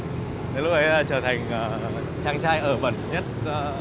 nếu lúc đấy trở thành à chàng trai ở bẩn nhất